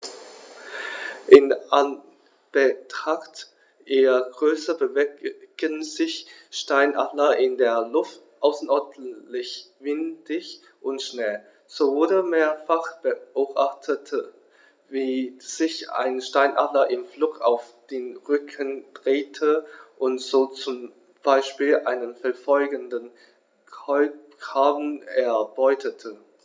In Anbetracht ihrer Größe bewegen sich Steinadler in der Luft außerordentlich wendig und schnell, so wurde mehrfach beobachtet, wie sich ein Steinadler im Flug auf den Rücken drehte und so zum Beispiel einen verfolgenden Kolkraben erbeutete.